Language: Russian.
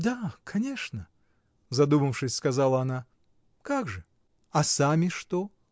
— Да. конечно, — задумавшись, сказала она. — Как же? — А сами что?